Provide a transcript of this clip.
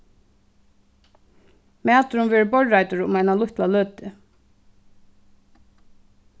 maturin verður borðreiddur um eina lítla løtu